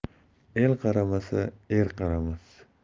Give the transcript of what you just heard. el qaramasa er qaramas